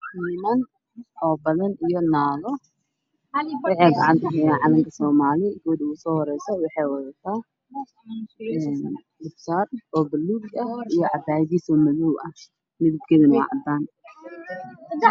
Niman iyo naaga badan waxay gacanta ku hayaan calanka somalia iyo maanta ugu soo horreyso waxay wadataa shuko madow ah